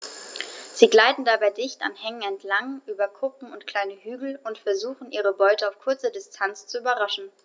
Sie gleiten dabei dicht an Hängen entlang, über Kuppen und kleine Hügel und versuchen ihre Beute auf kurze Distanz zu überraschen.